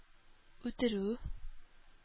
Үтерү